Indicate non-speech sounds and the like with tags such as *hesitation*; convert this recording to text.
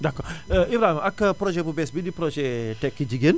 d' accord *blows air* Ibrahima ak projet bu bees bii di projet *hesitation* tekki jigéen